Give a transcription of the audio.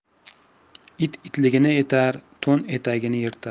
it itligini etar to'n etagini yirtar